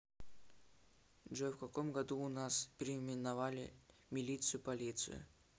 джой в каком году у нас переименовали милицию полицию